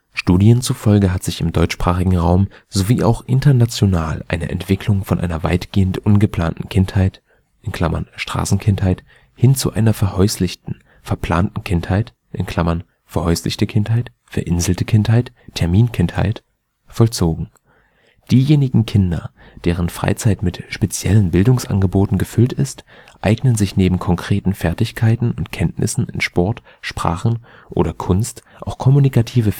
Studien zufolge hat sich im deutschsprachigen Raum sowie auch international eine Entwicklung von einer weitgehend ungeplanten Kindheit (Straßenkindheit) hin zu einer verhäuslichten, verplanten Kindheit (verhäuslichte Kindheit, verinselte Kindheit, Terminkindheit) vollzogen. Diejenigen Kinder, deren Freizeit mit speziellen Bildungsangeboten gefüllt ist, eignen sich neben konkreten Fertigkeiten und Kenntnissen in Sport, Sprachen oder Kunst auch kommunikative